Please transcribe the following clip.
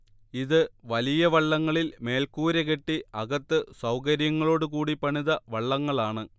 ഇത് വലിയ വള്ളങ്ങളിൽ മേൽക്കൂര കെട്ടി അകത്ത് സൗകര്യങ്ങളോട് കൂടി പണിത വള്ളങ്ങളാണ്